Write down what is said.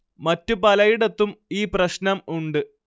മറ്റ് പലയിടത്തും ഈ പ്രശ്നം ഉണ്ട്